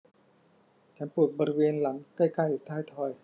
ฉันปวดบริเวณหลังใกล้ใกล้ท้ายทอย